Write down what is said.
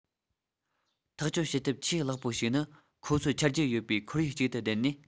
ཐག གཅོད བྱེད ཐབས ཆེས ལེགས པོ ཞིག ནི ཁོ ཚོ ཆ རྒྱུས ཡོད པའི ཁོར ཡུག ཅིག ཏུ བསྡད ནས